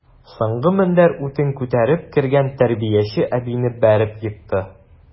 Соңгы мендәр утын күтәреп кергән тәрбияче әбине бәреп екты.